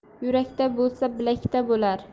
yurakda bo'lsa bilakda bo'lar